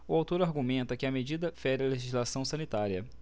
o autor argumenta que a medida fere a legislação sanitária